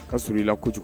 Ka s i la kojugu